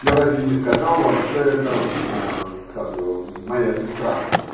Я разве не сказал вам, что это. как его. моя сестра?.